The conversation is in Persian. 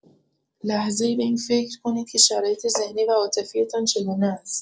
لحظه‌ای به این فکر کنید که شرایط ذهنی و عاطفی‌تان چگونه است.